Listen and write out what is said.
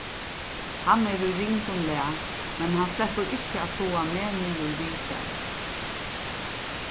hann er í ringum lag men hann sleppur ikki at toga meg niður við sær